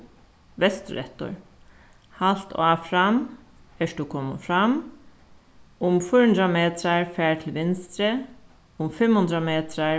vestureftir halt áfram ert tú komin fram um fýra hundrað metrar far til vinstru um fimm hundrað metrar